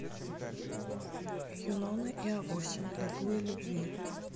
юнона и авось аллилуйя любви